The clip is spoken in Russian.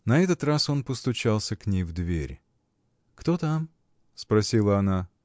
На этот раз он постучался к ней в дверь. — Кто там? — спросила она.